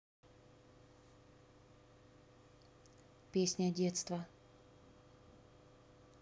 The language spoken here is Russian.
песня детства